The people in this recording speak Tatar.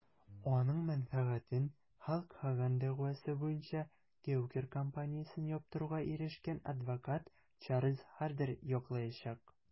Аның мәнфәгатен Халк Хоган дәгъвасы буенча Gawker компаниясен яптыруга ирешкән адвокат Чарльз Хардер яклаячак.